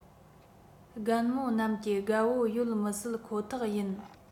རྒད མོ རྣམས ཀྱི དགའ བོ ཡོད མི སྲིད ཁོ ཐག ཡིན